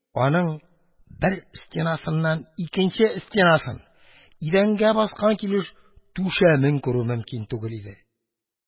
Аның бер стенасыннан икенче стенасын, идәнгә баскан килеш түшәмен күрү мөмкин түгел иде.